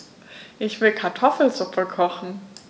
Ich will Kartoffelsuppe kochen.